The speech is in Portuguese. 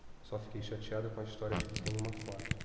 só fiquei chateada com a história de que tem uma foto